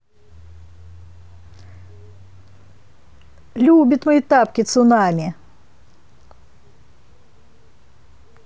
любит мои тапки цунами